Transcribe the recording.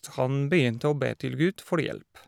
Så han begynte å be til Gud for hjelp.